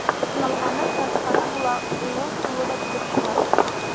Сыналганы, сынатканы була, уңы, сулы да килеп чыга.